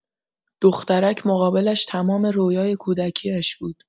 دخترک مقابلش تمام رویای کودکی‌اش بود.